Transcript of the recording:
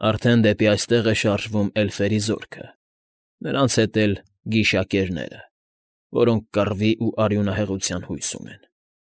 Արդեն դեպի այստեղ է շարժվում էլֆերի զորքը. նրանց հետ էլ՝ գիշակերները, որոնք կռվի ու արյունահեղության հույս ունեն։